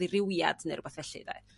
ddirywiad neu r'wbath felly ynde?